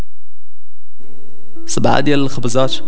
زبادي الخبز